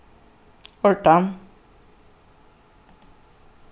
ordan